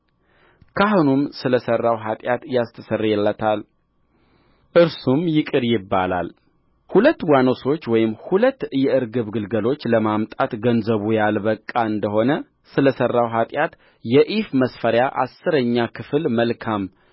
ካህኑም ስለ ሠራው ኃጢአት ያስተሰርይለታል እርሱም ይቅር ይባላልሁለት ዋኖሶች ወይም ሁለት የርግብ ግልገሎች ለማምጣት ገንዘቡ ያልበቃ እንደ ሆነ ስለ ሠራው ኃጢአት የኢፍ መስፈሪያ አሥረኛ ክፍል መልካም